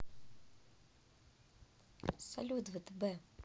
салют втб